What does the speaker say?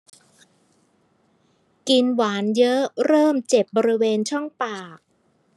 กินหวานเยอะเริ่มเจ็บบริเวณช่องปาก